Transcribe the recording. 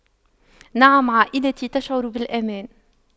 نعم عائلتي تشعر بالأمان